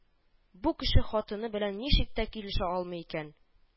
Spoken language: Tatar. Бу кеше хатыны белән ничек тә килешә алмый икән